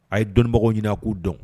A ye dɔnibagaw ɲini a k'u dɔn